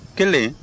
kelen